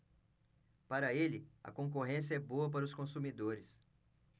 para ele a concorrência é boa para os consumidores